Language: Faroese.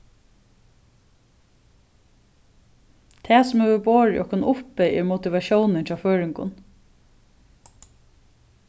tað sum hevur borið okkum uppi er motivatiónin hjá føroyingum